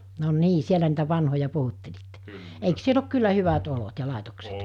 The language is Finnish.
no niin siellä niitä vanhoja puhuttelitte eikös siellä ole kyllä hyvät olot ja laitokset